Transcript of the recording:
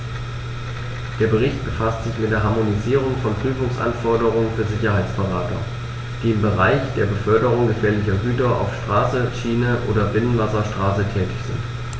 Der Bericht befasst sich mit der Harmonisierung von Prüfungsanforderungen für Sicherheitsberater, die im Bereich der Beförderung gefährlicher Güter auf Straße, Schiene oder Binnenwasserstraße tätig sind.